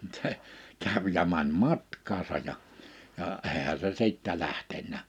mutta se kävi ja meni matkaansa ja ja eihän se sitten lähtenyt